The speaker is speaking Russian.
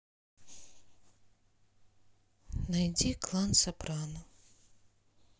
найди клан сопрано